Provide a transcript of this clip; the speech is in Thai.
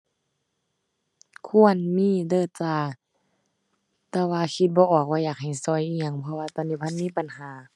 ควรมีเด้อจ้า แต่ว่าคิดบ่ออกว่าอยากให้ช่วยอิหยัง เพราะว่าตอนนี้บ่ทันมีปัญหา